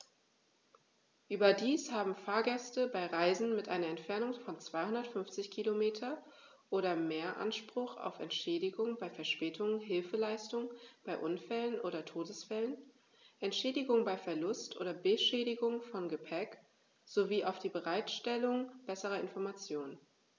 Überdies haben Fahrgäste bei Reisen mit einer Entfernung von 250 km oder mehr Anspruch auf Entschädigung bei Verspätungen, Hilfeleistung bei Unfällen oder Todesfällen, Entschädigung bei Verlust oder Beschädigung von Gepäck, sowie auf die Bereitstellung besserer Informationen.